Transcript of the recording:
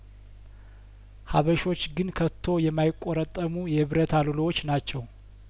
ሀበሾች ግን ከቶ የማይቆረጠ ሙ የብረት አሎሎዎች ናቸው